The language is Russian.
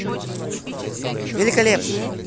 великолепная